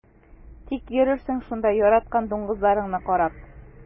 Тик йөрерсең шунда яраткан дуңгызларыңны карап.